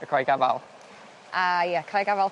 Y coed afael. A ia coed afal...